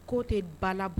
K'o tɛ balab